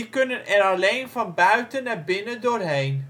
kunnen er alleen van buiten naar binnen doorheen